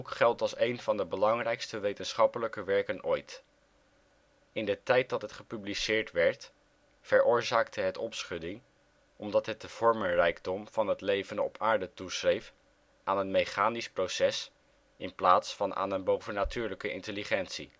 geldt als een van de belangrijkste wetenschappelijke werken ooit. In de tijd dat het gepubliceerd werd veroorzaakte het opschudding omdat het de vormenrijkdom van het leven op aarde toeschreef aan een mechanisch proces in plaats van aan een bovennatuurlijke intelligentie